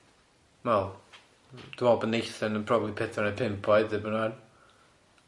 Wel, dwi'n me'l bo Nathan yn probably pedwar neu pump oed erbyn ŵan.